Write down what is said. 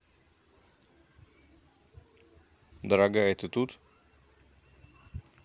дорогая ты тут